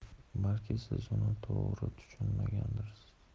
balki siz uni to'g'ri tushunmagandirsiz